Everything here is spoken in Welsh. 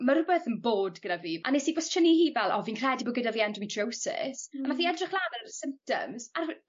ma' rwbeth yn bod gyda fi a nes i gwestiyni hi fel o fi'n credu bo' gyda fi endometrosis a nath 'i edrych lan yr symptoms ar wi-